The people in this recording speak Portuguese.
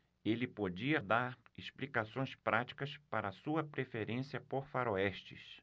ele podia dar explicações práticas para sua preferência por faroestes